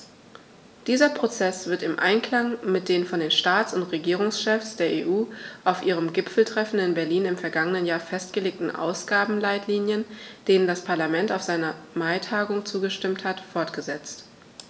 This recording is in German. Dieser Prozess wird im Einklang mit den von den Staats- und Regierungschefs der EU auf ihrem Gipfeltreffen in Berlin im vergangenen Jahr festgelegten Ausgabenleitlinien, denen das Parlament auf seiner Maitagung zugestimmt hat, fortgesetzt.